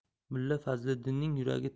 mulla fazliddinning yuragi